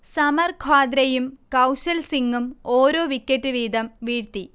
സമർ ഖ്വാദ്രയും കൗശൽ സിങ്ങും ഓരോ വിക്കറ്റ് വീതം വീഴ്ത്തി